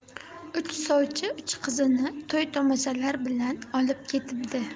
uch sovchi uch qizini to'y tomoshalar bilan olib ketibdi